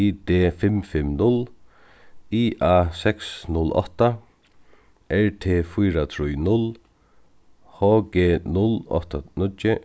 i d fimm fimm null i a seks null átta r t fýra trý null h g null átta níggju